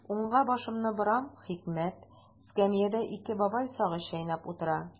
Уңга башымны борам– хикмәт: эскәмиядә ике бабай сагыз чәйнәп утыра.